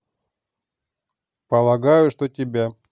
полагаю что тебе